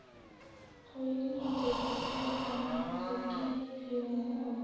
qoyilman dedi asadbek anvar uzatgan piyolani olib